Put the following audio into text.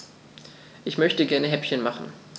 Ich möchte gerne Häppchen machen.